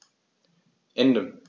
Ende.